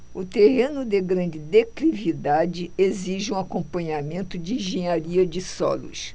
o terreno de grande declividade exige um acompanhamento de engenharia de solos